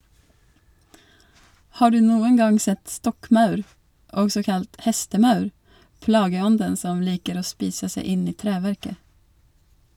Har du noen gang sett stokkmaur, også kalt hestemaur, plageånden som liker å spise seg inn i treverket?